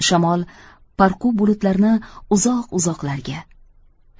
shamol parqu bulutlarni uzoq uzoqlarga